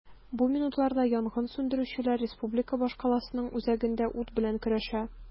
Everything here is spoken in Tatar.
Бу минутларда янгын сүндерүчеләр республика башкаласының үзәгендә ут белән көрәшә.